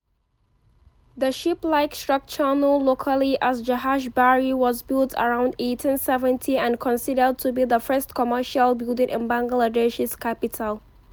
The ship-like structure, known locally as "Jahaj Bari", was built around 1870 and considered to be the first commercial building in Bangladesh's capital.